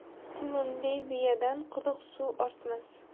qulunli biyadan quduq suvi ortmas